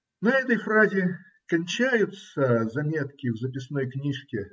-------------- На этой фразе кончаются заметки в записной книжке.